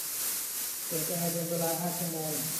เปิดแอร์เป็นเวลาห้าชั่วโมง